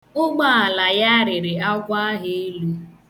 Ụgbaala ya rịrị agwọ ahụ elụ.